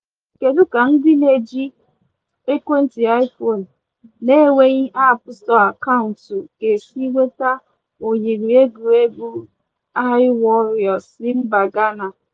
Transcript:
MJ: Kedu ka ndị na-eji ekwentị iPhone na-enweghi App Store akaụntụ ga-esi nweta oyiri egwuregwu iWarrior si mba Gana?